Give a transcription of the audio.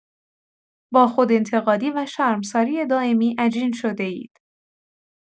با خودانتقادی و شرمساری دائمی عجین شده‌اید.